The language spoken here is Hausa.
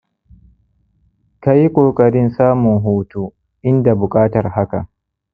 kayi kokarin samun hutu in da bukatar hakan.